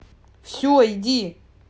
все иди